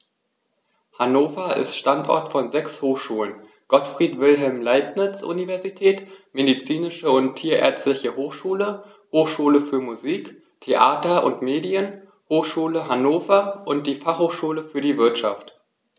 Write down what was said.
Hannover ist Standort von sechs Hochschulen: Gottfried Wilhelm Leibniz Universität, Medizinische und Tierärztliche Hochschule, Hochschule für Musik, Theater und Medien, Hochschule Hannover und die Fachhochschule für die Wirtschaft.